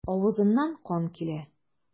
Авызыннан кан килә.